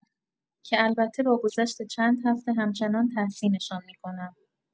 که البته با گذشت چند هفته همچنان تحسین‌شان می‌کنم.